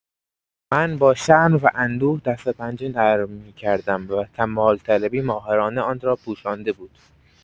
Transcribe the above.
من با شرم و اندوه دست‌وپنجه نرم می‌کردم و کمال‌طلبی ماهرانه آن را پوشانده بود.